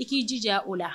I k'i jija o la